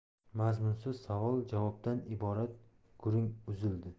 mazmunsiz savol javobdan iborat gurung uzildi